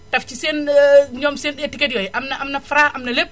taf si seen ñoom seen étiquette yooyu am na am na Fra am na lépp